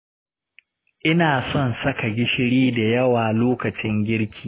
inasan saka gishiri da yawa lokacin girki.